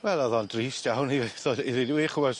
Wel odd o'n drist iawn i ddeu- tho- i ddweud y gwir ch'mo' os